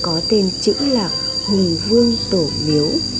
có tên chữ là hùng vương tổ miếu